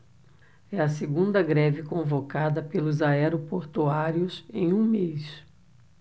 é a segunda greve convocada pelos aeroportuários em um mês